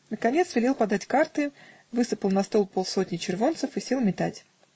наконец велел подать карты, высыпал на стол полсотни червонцев и сел метать.